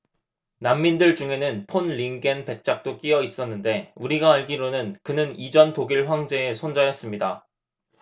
난민들 중에는 폰 링겐 백작도 끼여 있었는데 우리가 알기로는 그는 이전 독일 황제의 손자였습니다